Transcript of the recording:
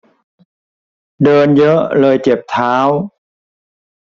เดินเยอะเลยเจ็บเท้า